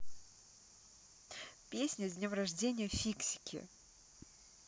песня с днем рождения фиксики